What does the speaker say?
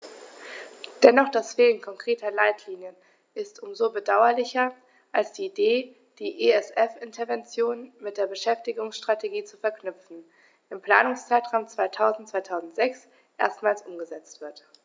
Doch das Fehlen konkreter Leitlinien ist um so bedauerlicher, als die Idee, die ESF-Interventionen mit der Beschäftigungsstrategie zu verknüpfen, im Planungszeitraum 2000-2006 erstmals umgesetzt wird.